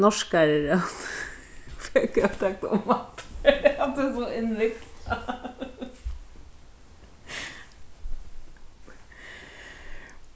norskari góði tak tað umaftur hatta er so innviklað